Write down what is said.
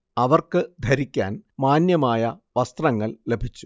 അവർക്കു ധരിക്കാൻ മാന്യമായ വസ്ത്രങ്ങൾ ലഭിച്ചു